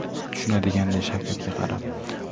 xuddi tushunadiganday shavkatga qarab